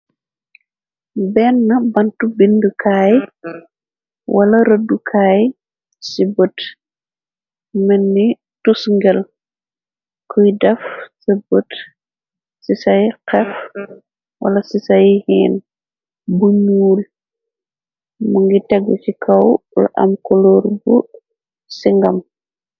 Bena bantu bindukaay wala rëddukaay ci bott mënni tusngel kuy daf ca bot ci say xef wala ci say xiin bu nuul mu ngi tegu ci kawl am koloor bu ci ngam.